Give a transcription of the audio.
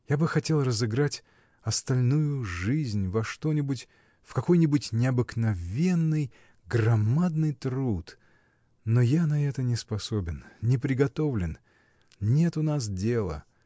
Я бы хотел разыграть остальную жизнь во что-нибудь, в какой-нибудь необыкновенный громадный труд, но я на это не способен, — не приготовлен: нет у нас дела!